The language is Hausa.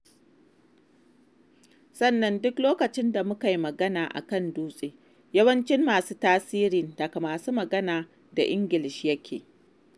Sannan duk lokacin da muka yi magana a kan Dutse, yawancin masu tasirin daga masu magana da Ingilishi yake.